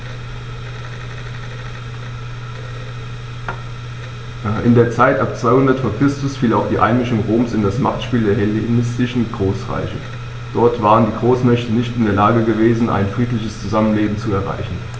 In die Zeit ab 200 v. Chr. fiel auch die Einmischung Roms in das Machtspiel der hellenistischen Großreiche: Dort waren die Großmächte nicht in der Lage gewesen, ein friedliches Zusammenleben zu erreichen.